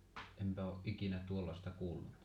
enpä ole ikinä tuollaista kuullut